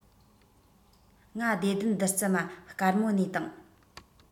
ང བདེ ལྡན བདུད རྩི མ དཀར མོ ནས དང